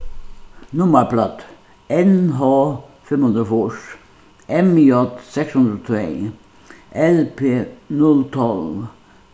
nummarplátur n h fimm hundrað og fýrs m j seks hundrað og tvey l p null tólv